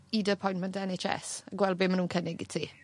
i dy appointment Enn Heitch Ees a gwel be' ma' nw'n cynnig i ti.